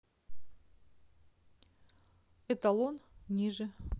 эталон ниже